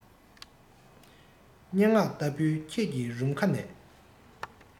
སྙན ངག ལྟ བུའི ཁྱོད ཀྱི རུམ ཁ ནས